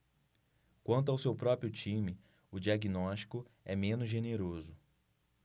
quanto ao seu próprio time o diagnóstico é menos generoso